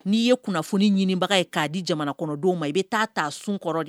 N'i ye kunnafoni ɲinibaga ye k'a di jamana kɔnɔdenw ma i bɛ taa taa sun kɔrɔ de